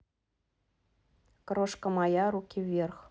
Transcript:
крошка моя руки вверх